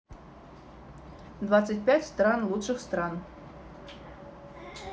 двадцать пять стран лучших стран